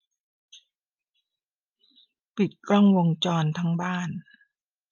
ปิดกล้องวงจรทั้งบ้าน